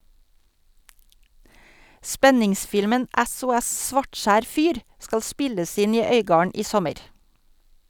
Spenningsfilmen "SOS - Svartskjær fyr" skal spilles inn i Øygarden i sommer.